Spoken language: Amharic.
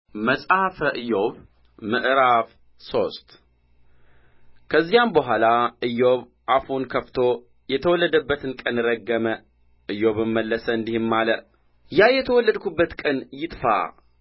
መጽሐፈ ኢዮብ ምዕራፍ ሶስት ከዚያም በኋላ ኢዮብ አፉን ከፍቶ የተወለደበትን ቀን ረገመ ኢዮብም መለሰ እንዲህ አለ ያ የተወለድሁበት ቀን ይጥፋ